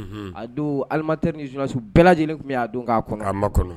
A don alitr ni ssu bɛɛ lajɛlen tun bɛ' don k'a kɔnɔ ma kɔnɔ